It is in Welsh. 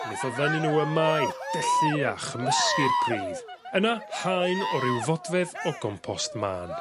Neith o ddenu n'w yma i dyllu a chymysgu'r pridd yna haen o ryw fodfedd o gompost man.